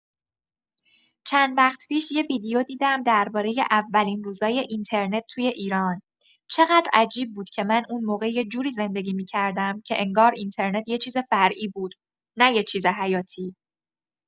چند وقت پیش یه ویدیو دیدم درباره اولین روزای اینترنت توی ایران، چقدر عجیب بود که من اون موقع یه جوری زندگی می‌کردم که انگار اینترنت یه چیز فرعی بود، نه یه چیز حیاتی.